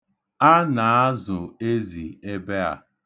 A na-azụ ezi ebe a.